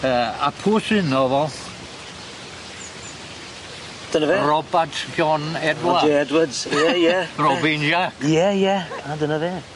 Yy a pwy sy 'no fo? Dyna fe. Robart John Edwards. Roger Edwards ie ie. Robin Jac. Ie ie a dyna fe.